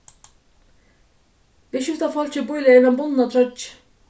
viðskiftafólkið bílegði eina bundna troyggju